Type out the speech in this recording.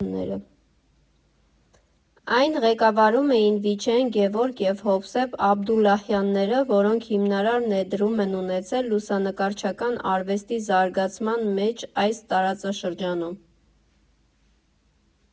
Այն ղեկավարում էին Վիչեն, Գևորգ և Հովսեփ Աբդուլլահյանները որոնք հիմնարար ներդրում են ունեցել լուսանկարչական արվեստի զարգացման մեջ այս տարածաշրջանում։